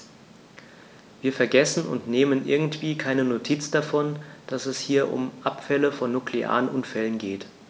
Wir vergessen, und nehmen irgendwie keine Notiz davon, dass es hier um Abfälle von nuklearen Unfällen geht.